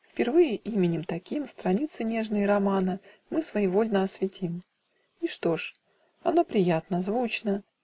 Впервые именем таким Страницы нежные романа Мы своевольно освятим. И что ж? оно приятно, звучно